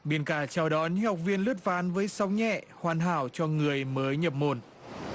biển cả chào đón những học viên lướt ván với sóng nhẹ hoàn hảo cho người mới nhập môn